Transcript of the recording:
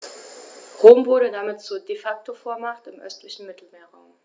Rom wurde damit zur ‚De-Facto-Vormacht‘ im östlichen Mittelmeerraum.